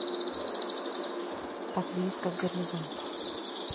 так близко к горизонту